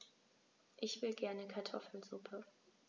Ich will gerne Kartoffelsuppe.